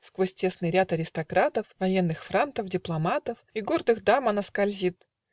Сквозь тесный ряд аристократов, Военных франтов, дипломатов И гордых дам она скользит